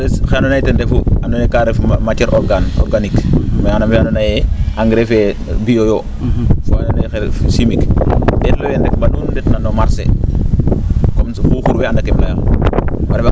oxee andoona yee ten refu ando kaa ref matiere organe organique fo oxe andoona yee engrais fee bio yo fo oxe andoona yee ten refu chimique ?eetluween rek mbanu nu ndetna no marcher comme xuuxur we a anda kee um layang